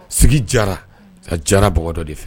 Sigi jara a jara bɔgɔ dɔ de fɛ